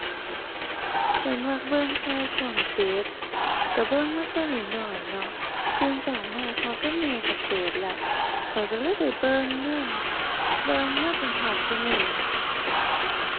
ข้อยมักเบิ่งข่าวช่องเจ็ด ก็เบิ่งมาแต่น้อยน้อยเนาะ ตื่นก็มาพ่อกับแม่ก็เปิดแล้ว ข้อยก็เลยได้เบิ่งนำ เบิ่งมาจนฮอดซุมื้อนี้ล่ะ